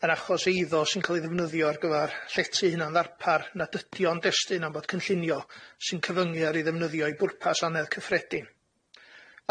yn achos eiddo sy'n ca'l 'i ddefnyddio ar gyfar llety hunan ddarpar nad ydio'n destun am bod cynllunio sy'n cyfyngu ar 'i ddefnyddio i bwrpas anedd cyffredin,